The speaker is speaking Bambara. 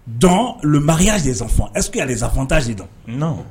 Dɔn bagakɛ yyaa zpɔn esseke que zɔntanze dɔn